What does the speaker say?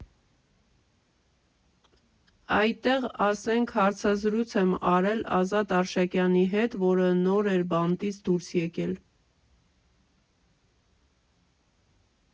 Այդտեղ, ասենք, հարցազրույց եմ արել Ազատ Արշակյանի հետ, որը նոր էր բանտից դուրս եկել։